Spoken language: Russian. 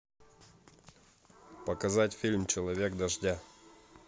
показать фильм человек дождя